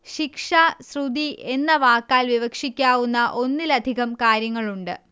ശിക്ഷ ശ്രുതി എന്ന വാക്കാൽ വിവക്ഷിക്കാവുന്ന ഒന്നിലധികം കാര്യങ്ങളുണ്ട്